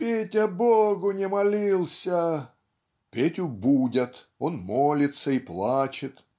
Петя Богу не молился!" Петю будят он молится и плачет